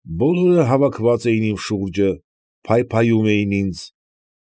Բոլորը, հավաքված իմ շուրջը, փայփայում էին ինձ։